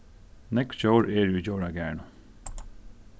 nógv djór eru í djóragarðinum